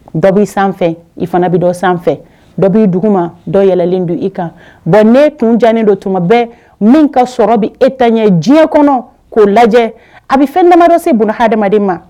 Dɔ b'i sanfɛ, i fana bɛ dɔ sanfɛ, dɔ b'i dugu ma ,dɔ yɛlɛɛlɛnlen don i kan, bon ne kun janen do tuma bɛ min ka sɔrɔ bɛ e ta ɲɛn, diɲɛ kɔnɔ k'o lajɛ ,a bɛ fɛn damadɔ se bun hadamaden ma